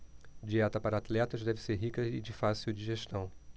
dieta para atletas deve ser rica e de fácil digestão